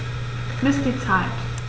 Miss die Zeit.